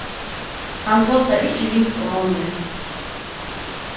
hann tosar ikki ringt um onnur